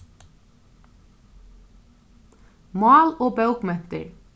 mál og bókmentir